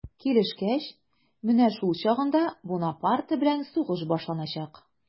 Килешкәч, менә шул чагында Бунапарте белән сугыш башланачак.